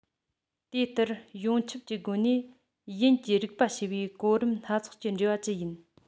དེ ལྟར ཡོངས ཁྱབ ཀྱི སྒོ ནས ཡུན གྱིས རིམ པ ཕྱེ བའི གོམ རིམ སྣ ཚོགས ཀྱིས འབྲེལ བ ཅི ཡིན